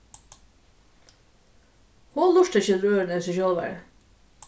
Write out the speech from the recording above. hon lurtar ikki eftir øðrum enn sær sjálvari